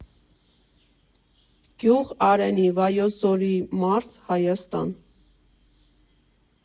Գյուղ Արենի, Վայոց ձորի մարզ, Հայաստան։